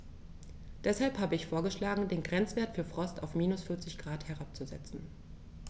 Deshalb habe ich vorgeschlagen, den Grenzwert für Frost auf -40 ºC herabzusetzen.